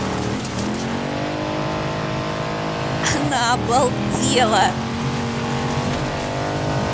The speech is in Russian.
она обалдела